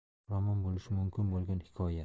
roman bo'lishi mumkin bo'lgan hikoya